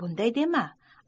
bunday dema